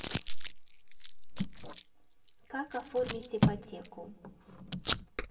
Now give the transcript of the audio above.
как оформить ипотеку